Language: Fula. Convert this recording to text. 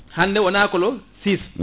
hande wona que le 6